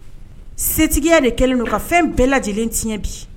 Setigiya de kɛlen don ka fɛn bɛɛ lajɛlen tiɲɛ bi